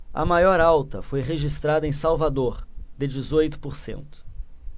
a maior alta foi registrada em salvador de dezoito por cento